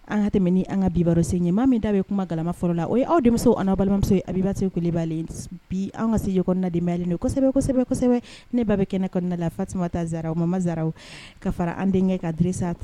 An ka tɛmɛ an ka bibaro sen ɲɛmaa min da bɛ kuma galama fɔlɔ la o ye aw denmusomi balimamuso a bibase ku bali bi an ka se kɔnɔnaden miri don kosɛbɛ kosɛbɛsɛbɛ ne ba bɛ kɛnɛ kɔnɔnada la fasima taasaaraw u ma masaraw ka fara an denkɛ ka dsa